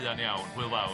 Hwyl fawr.